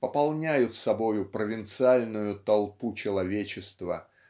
пополняют собою провинциальную толпу человечества